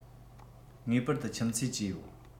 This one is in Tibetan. ངེས པར དུ ཁྱིམ མཚེས ཀྱི ཡོད